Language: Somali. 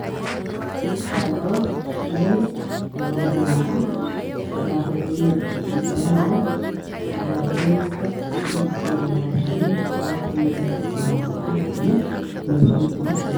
Haddaba dheer oo loo biyaano ah daa quddooyin waaweyn leh oo qadarkoodu yahay buluug dabaqa khilarkiisana waa caddaan iyo madow